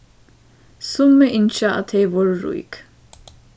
summi ynskja at tey vóru rík